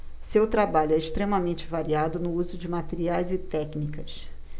seu trabalho é extremamente variado no uso de materiais e técnicas